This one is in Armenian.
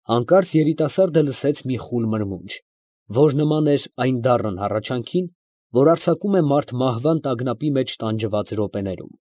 Հանկարծ երիտասարդը լսեց մի խուլ մրմունջ, որ նման էր այն դառն հառաչանքին, որ արձակում է մարդ մահվան տագնապի մեջ տանջված րոպեներում։